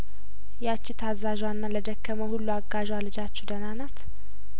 ያቺ ታዛዧና ለደከመው ሁሉ አጋዧ ልጀችሁ ደህና ናት